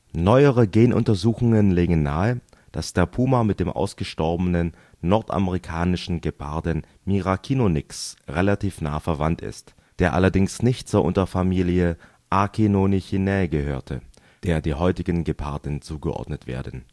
Neuere Genuntersuchungen legen nahe, dass der Puma mit dem ausgestorbenen nordamerikanischen Geparden Miracinonyx relativ nah verwandt ist, der allerdings nicht zur Unterfamilie Acinonychinae gehörte, der die heutigen Geparden zugeordnet werden